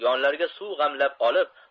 yonlariga suv g'amlab olib